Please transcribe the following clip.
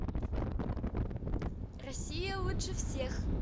россия лучше всех